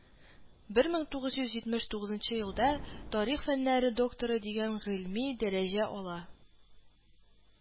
Бер мең тугыз йөз җитмеш тугызынчы елда тарих фәннәре докторы дигән гыйльми дәрәҗә ала